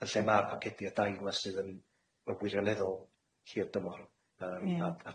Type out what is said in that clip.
yn lle ma'r pacedi y dai 'ma sydd yn yy wirioneddol hir dymor yym